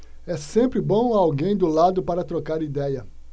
é sempre bom alguém do lado para trocar idéia